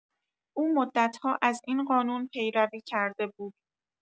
او مدت‌ها از این قانون پیروی کرده بود.